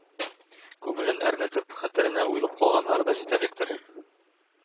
Күңелен әрнетеп, хәтеренә уелып калганнары да җитәрлектер.